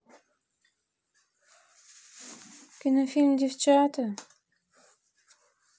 кинофильм девчата